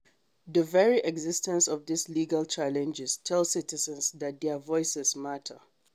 The very existence of these legal challenges tells citizens that their voices matter.